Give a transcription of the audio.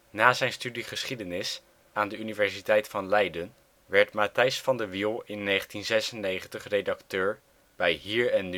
Na zijn studie geschiedenis aan de Universiteit van Leiden werd Mattijs van de Wiel in 1996 redacteur bij Hier en Nu